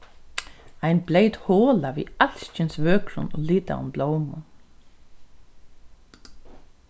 ein bleyt hola við alskyns vøkrum og litaðum blómum